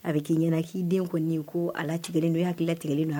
A bɛ k'i ɲɛna k'i den kɔni ko a latigɛlen don e hakilila tigɛlen don